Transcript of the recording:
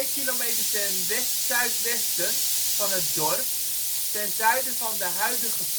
kilometer ten west-zuidwesten van het dorp, ten zuiden van de huidige